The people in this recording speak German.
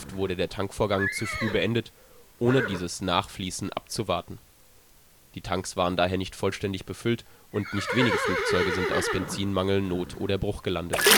wurde der Tankvorgang zu früh beendet, ohne dieses Nachfließen abzuwarten. Die Tanks waren daher nicht vollständig befüllt und nicht wenige Flugzeuge sind aus Benzinmangel not - oder bruchgelandet